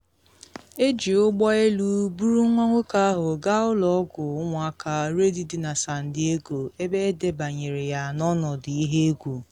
Eji ụgbọ elu buru nwa nwoke ahụ gaa Ụlọ Ọgwụ Ụmụaka Rady dị na San Diego ebe edebanyere ya n’ọnọdụ ihe egwu.